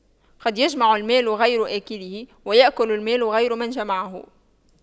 قد يجمع المال غير آكله ويأكل المال غير من جمعه